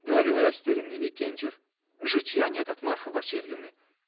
— говорил растерянный Викентьев, — житья нет от Марфы Васильевны!